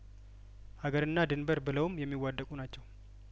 አገርና ድንበር ብለውም የሚዋደቁ ናቸው